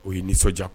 O ye nisɔndiya